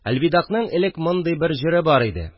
Әлвидагның элек мондый бер җыры бар иде